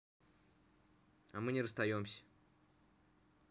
а мы не расстаемся